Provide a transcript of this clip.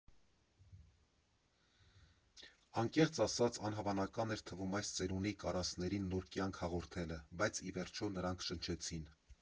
Անկեղծ ասած, անհավանական էր թվում այս ծերունի կարասներին նոր կյանք հաղորդելը, բայց, ի վերջո, նրանք շնչեցին։